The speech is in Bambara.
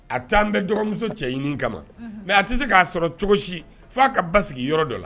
A taa an bɛ dɔgɔmuso cɛɲini kama mɛ a tɛ se k'a sɔrɔ cogo si f' a ka ba sigi yɔrɔ dɔ la